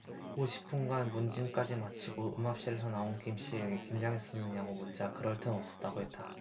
십 오 분간 문진까지 마치고 음압실에서 나온 김씨에게 긴장했었느냐고 묻자 그럴 틈 없었다고 했다